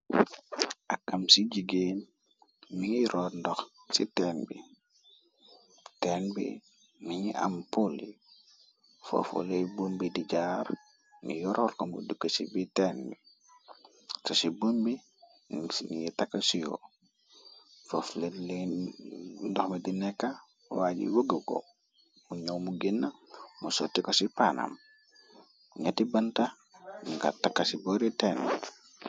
ak am ci jigéen mi ngi root ndox ci tenn bi tenn bi ni ni am poli foofuley bumbi di jaar ni yorool ko mu dukk ci bi tenn bi so ci bumbi ni takasio fofndoxme di nekka waa ji wëga ko mu ñoo mu genna mu soti ko ci panam ñati banta dnga takka ci boore tenn